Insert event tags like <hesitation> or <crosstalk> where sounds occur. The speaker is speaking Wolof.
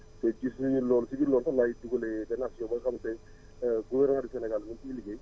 te gis nañ ne loolu si biir loolu sax laay dugalee benn aspect boo xam ne tey <hesitation> gouvernement du Sénégal ñu ngi siy liggéey